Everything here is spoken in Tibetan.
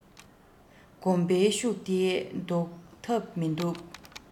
གོམས པའི ཤུགས འདི བཟློག ཐབས མིན འདུག